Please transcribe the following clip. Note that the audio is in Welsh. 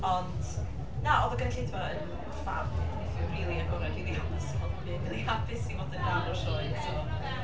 Ond na, oedd y gynulleidfa yn ffab neithiwr. Rili agored, rili hapus i fod yn byd fi, hapus i fod yn rhan o'r sioe, so...